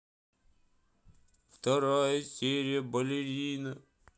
вторая серия балерина